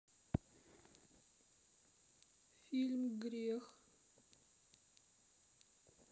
фильм грех